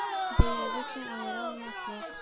Бәйләде соң аера алмаслык?!